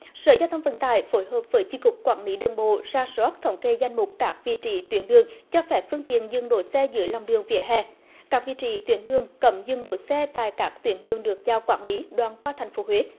sở giao thông vận tải phối hợp với chi cục quản lý đường bộ rà soát thống kê danh mục các vị trí tuyến đường cho phép phương tiện dừng đỗ xe dưới lòng đường vỉa hè các vị trí tuyến đường cấm dừng đỗ xe tại các tuyến đường được giao quản lý đoạn qua thành phố huế